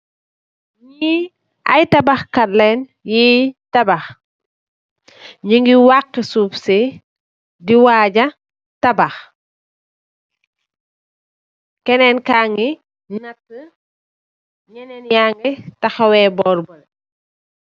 Li ay atabax kat len yui tabax nyu gi waki soof si di waja tabax kenen kagi nata nyenen yagi taxawe borr beleh.